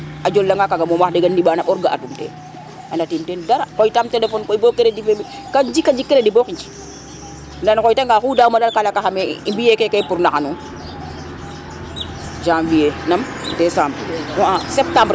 a jela nga kaga mom wax deg o neɓano mbor ge um teen anda tim ten dara xoy tam telephone koy bo credit fe mikam jika jik credit bo xij nda um xoy tanga o xu daaw ma dal ka ley ka xame i mbi e keke pour naxa nuun janvier nam Décembre